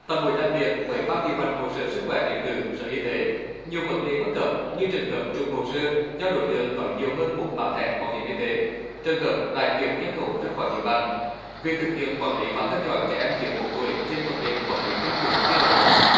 tại buổi làm việc với ban điều hành hồ sơ sức khỏe điện tử sở y tế nhiều vấn đề bất cập như trường hợp trùng hồ sơ do đối tượng có nhiều hơn một mã thẻ bảo hiểm y tế trường hợp đã chuyển nhân khẩu ra khỏi địa bàn việc thực hiện quản lý và theo dõi trẻ em dưới một tuổi trên phần mềm quản lý tiêm chủng chưa đồng bộ